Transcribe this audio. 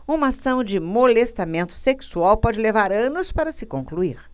uma ação de molestamento sexual pode levar anos para se concluir